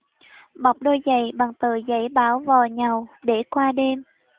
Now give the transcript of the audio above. bọc đôi giày bằng tờ giấy báo vò nhàu để qua đêm